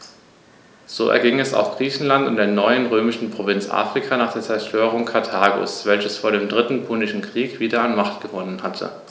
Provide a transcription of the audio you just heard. So erging es auch Griechenland und der neuen römischen Provinz Afrika nach der Zerstörung Karthagos, welches vor dem Dritten Punischen Krieg wieder an Macht gewonnen hatte.